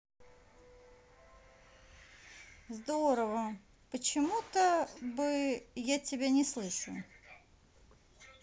здорово почему то бы я тебя не слышу